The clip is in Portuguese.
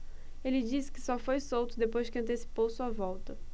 ele disse que só foi solto depois que antecipou sua volta